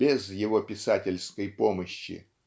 без его писательской помощи